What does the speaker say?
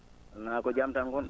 wonaa ko jam tan ngon?on